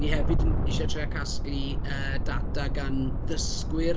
Ni hefyd yn isie trio casglu data gan ddysgwyr.